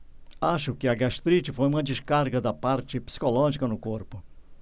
acho que a gastrite foi uma descarga da parte psicológica no corpo